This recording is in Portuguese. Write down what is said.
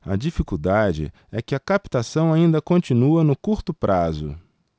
a dificuldade é que a captação ainda continua no curto prazo